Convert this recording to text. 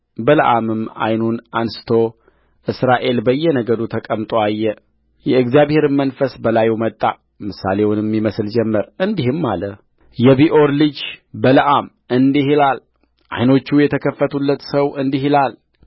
በለዓምም ዓይኑን አንሥቶ እስራኤል በየነገዱ ተቀምጦ አየ የእግዚአብሔርም መንፈስ በላዩ መጣምሳሌውን ይመስል ጀመር እንዲህም አለየቢዖር ልጅ በለዓም እንዲህ ይላልዓይኖቹ የተከፈቱለት ሰው እንዲህ ይላል